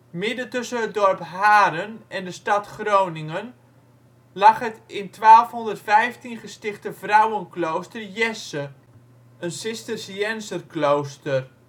Midden tussen het dorp Haren en de stad Groningen lag het in 1215 gestichte vrouwenklooster Yesse, een Cisterciënzer-klooster